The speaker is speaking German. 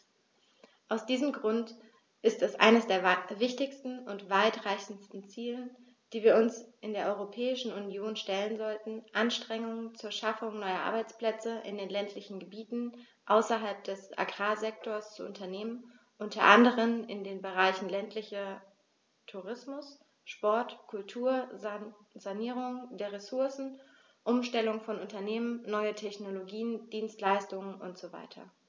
Aus diesem Grund ist es eines der wichtigsten und weitreichendsten Ziele, die wir uns in der Europäischen Union stellen sollten, Anstrengungen zur Schaffung neuer Arbeitsplätze in den ländlichen Gebieten außerhalb des Agrarsektors zu unternehmen, unter anderem in den Bereichen ländlicher Tourismus, Sport, Kultur, Sanierung der Ressourcen, Umstellung von Unternehmen, neue Technologien, Dienstleistungen usw.